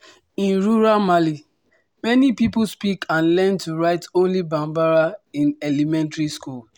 In rural Mali, many people speak and learn to write only Bambara in elementary school.